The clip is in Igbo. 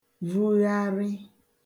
vugharị